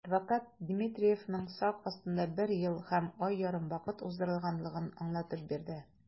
Адвокат Дмитриевның сак астында бер ел һәм ай ярым вакыт уздырганлыгын аңлатып бирде.